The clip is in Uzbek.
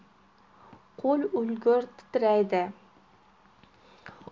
qo'l o'lgur titraydi